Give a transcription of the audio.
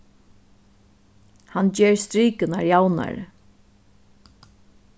hann ger strikurnar javnari